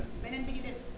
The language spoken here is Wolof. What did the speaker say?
beneen bi ci des